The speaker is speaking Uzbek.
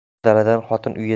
er daladan xotin uydan